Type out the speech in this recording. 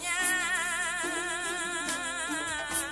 San